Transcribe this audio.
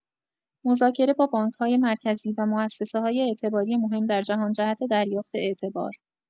مذاکره با بانک‌های مرکزی و موسسه‌های اعتباری مهم در جهان، جهت دریافت اعتبار.